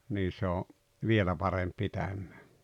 niin se on vielä parempi pitämään